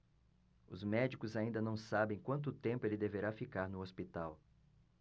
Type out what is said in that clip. os médicos ainda não sabem quanto tempo ele deverá ficar no hospital